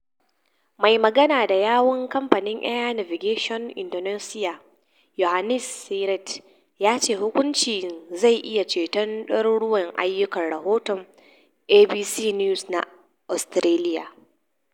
Mai magana da yawun kamfanin Air Navigation Indonesia, Yohannes Sirait, ya ce hukuncin zai iya ceto daruruwan rayuka, rahoton ABC News na Australia.